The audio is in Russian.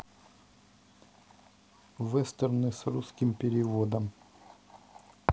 вестерны с русским переводом